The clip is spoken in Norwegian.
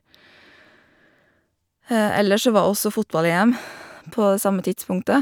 Ellers så var også fotball-EM på det samme tidspunktet.